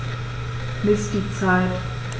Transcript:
Miss die Zeit.